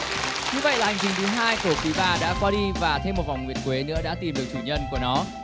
như vậy là hành trình thứ hai của quý ba đã qua đi và thêm một vòng nguyệt quế nữa đã tìm được chủ nhân của nó